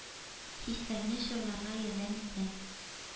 Хисләрне чарларга ярдәм итә,